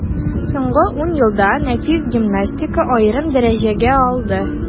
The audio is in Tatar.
Соңгы ун елда нәфис гимнастика аерым дәрәҗәгә алды.